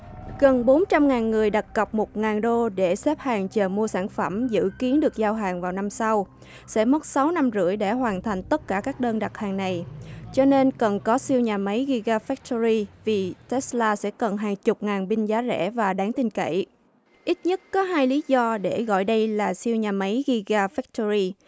gần bốn trăm ngàn người đặt cọc một ngàn đô để xếp hàng chờ mua sản phẩm dự kiến được giao hàng vào năm sau sẽ mất sáu năm rưỡi để hoàn thành tất cả các đơn đặt hàng này cho nên cần có siêu nhà máy ghi ga phách to ry vì tét la sẽ cần hàng chục ngàn binh giá rẻ và đáng tin cậy ít nhất có hai lý do để gọi đây là siêu nhà máy ghi ga phách to ry